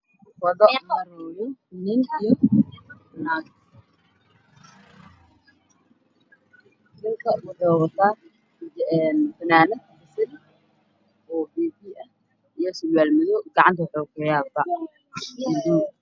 Waa wado waxaa maraayo nin iyo naag ninka wuxuu wataa fanaanad sural madow bac ayuu gacanta ku wata